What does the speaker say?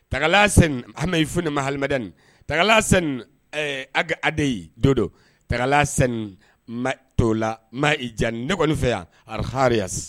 Tagala hamiyi f nin ma hadin tagala de ye don dɔ tagala tola ma ja ne kɔni fɛ yan ara hariya